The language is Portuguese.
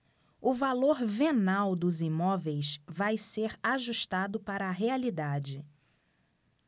o valor venal dos imóveis vai ser ajustado para a realidade